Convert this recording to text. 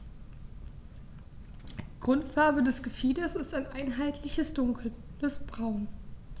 Grundfarbe des Gefieders ist ein einheitliches dunkles Braun.